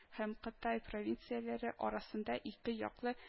Һәм кытай провинцияләре арасында ике яклы